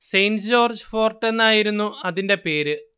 Saint George Fort എന്നായിരുന്നു അതിന്റെ പേര്